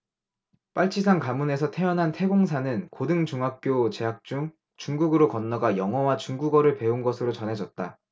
빨치산 가문에서 태어난 태 공사는 고등중학교 재학 중 중국으로 건너가 영어와 중국어를 배운 것으로 전해졌다